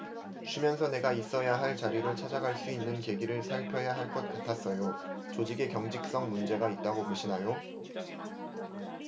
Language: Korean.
쉬면서 내가 있어야 할 자리를 찾아갈 수 있는 계기를 살펴야 할 것 같았어요 조직의 경직성 문제가 있다고 보시나요